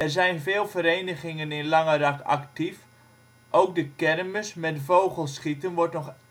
zijn veel verenigingen in Langerak actief, ook de kermis met vogelschieten wordt